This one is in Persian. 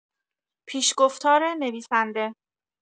پیش‌گفتار نویسنده